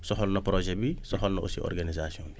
soxal na projet bi soxal na aussi organisations yi